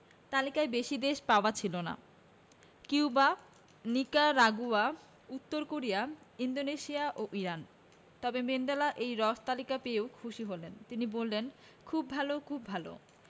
তালিকায় বেশি দেশ পাওয়া ছিল না কিউবা নিকারাগুয়া উত্তর কোরিয়া ইন্দোনেশিয়া ও ইরান তবে ম্যান্ডেলা এই হ্রস্ব তালিকা পেয়েও খুশি হলেন তিনি বললেন খুব ভালো খুব ভালো